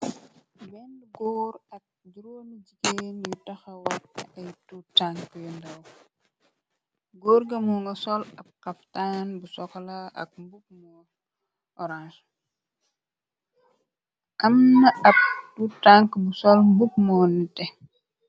Benn góor ak jróoni jigéen yu taxa waxte ay tutank yu ndaw gór gamu nga sol ab xabtan bu sokala ak mbup mo orange amna ab tutank bu sol mbup moo nite.